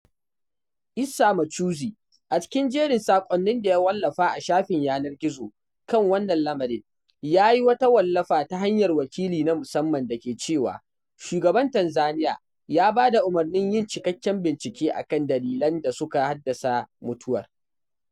Issa Michuzi, a cikin jerin saƙonnin da ya wallafa a shafin yanar gizo kan wannan lamarin, yayi wata wallafa ta hanyar wakili na musamman da ke cewa Shugaban Tanzaniya, ya ba da umarnin yin cikakken bincike akan dalilan da suka haddasa mutuwar.